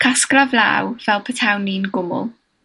Casglaf law fel petawn i'n gwmwl,